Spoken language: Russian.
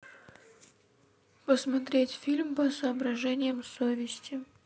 посмотреть фильм по соображениям совести